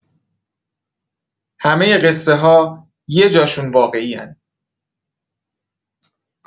همۀ قصه‌ها یه جاشون واقعی‌ان.